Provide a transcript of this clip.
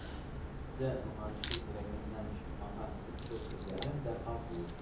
Де, моңарчы йөрәгеннән чыкмаган купшы сүзләрен дә кабул